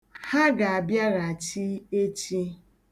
Ha ga-abịaghachi echi.